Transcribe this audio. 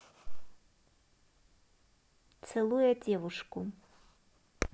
целуя девушку